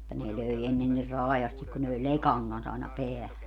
mutta ne löi ennen niin raa'asti kun ne löi lekan kanssa aina päähän